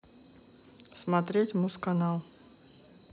смотреть муз канал